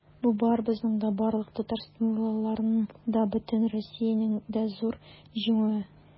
Бу барыбызның да, барлык татарстанлыларның да, бөтен Россиянең дә зур җиңүе.